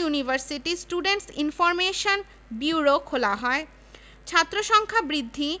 university officers training corps ইউওটিসিগঠন করা হয়